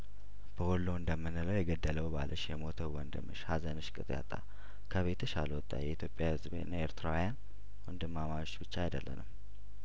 በወሎ እንደምንለው የገደለው ባልሽ የሞተው ወንድምሽ ሀዘንሽ ቅጥ ያጣ ከቤትሽ አልወጧ የኢትዮጵያ ህዝብና ኤርትራውያን ወንድማማች ብቻ አይደለንም